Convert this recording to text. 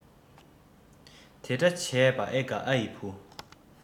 དེ འདྲ བྱས པ ཨེ དགའ ཨ ཡི བུ